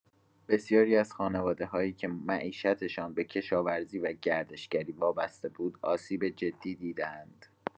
بسیاری از خانواده‌هایی که معیشتشان به کشاورزی و گردشگری وابسته بود، آسیب جدی دیده‌اند.